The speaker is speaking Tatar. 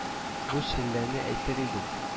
—бу челләне әйтер идем